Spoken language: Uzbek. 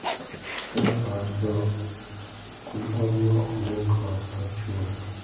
otang qarisa qui olma onang qarisa cho'ri